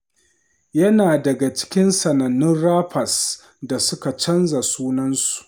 Yana daga cikin sanannun rappers da suka canza sunansu.